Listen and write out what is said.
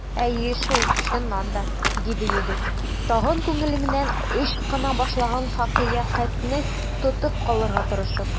Әйе шул, чыннан да! - диде егет, тагын күңеленнән ычкына башлаган хакыйкатьне тотып калырга тырышып.